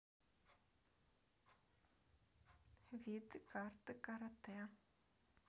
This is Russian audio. виды карты карате